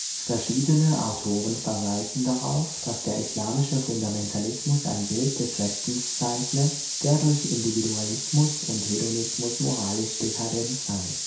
Verschiedene Autoren verweisen darauf, dass der islamische Fundamentalismus ein Bild des Westens zeichne, der durch Individualismus und Hedonismus moralisch dekadent sei